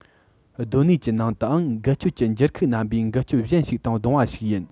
གདོད ནུས ཀྱི ནང དུའང འགུལ སྐྱོད ཀྱི འགྱུར ཁུག རྣམ པས འགུལ སྐྱོད གཞན ཞིག དང བསྡོངས པ ཞིག ཡིན